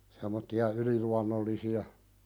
semmoisia yliluonnollisia